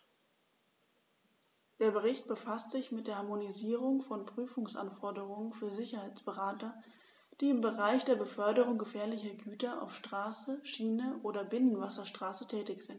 Der Bericht befasst sich mit der Harmonisierung von Prüfungsanforderungen für Sicherheitsberater, die im Bereich der Beförderung gefährlicher Güter auf Straße, Schiene oder Binnenwasserstraße tätig sind.